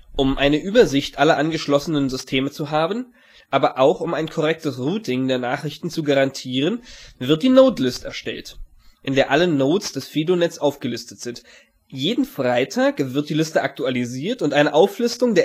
Um eine Übersicht aller angeschlossenen Systeme zu haben, aber auch um ein korrektes Routing der Nachrichten zu garantieren, wird die Nodelist erstellt, in der alle Nodes des FidoNets aufgelistet sind. Jeden Freitag wird die Liste aktualisiert und eine Auflistung